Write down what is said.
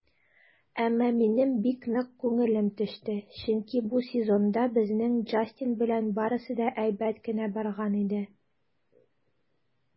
Әмма минем бик нык күңелем төште, чөнки бу сезонда безнең Джастин белән барысы да әйбәт кенә барган иде.